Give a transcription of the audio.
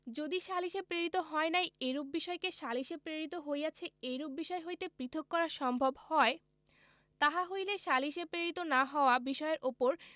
যদি সালিসে প্রেরিত হয় নাই এইরূপ বিষয়কে সালিসে প্রেরিত হইয়াছে এইরূপ বিষয় হইতে পৃথক করা সম্ভব হয় তাহা হইলে সালিসে প্রেরিত না হওয়া বিষয়ের উপর